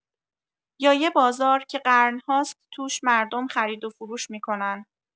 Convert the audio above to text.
یا یه بازار که قرن‌هاست توش مردم خرید و فروش می‌کنن.